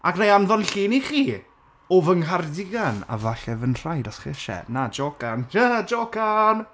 Ac wna i anfon llun i chi o fy nghardigan a falle fy nhraed os chi eisiau na, jocan j-jocan!